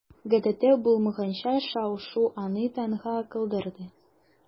Гадәттә булмаганча шау-шу аны таңга калдырды.